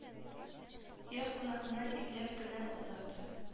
Йә кунакны ипләп кенә озат